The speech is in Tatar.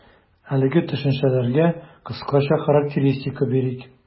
Әлеге төшенчәләргә кыскача характеристика бирик.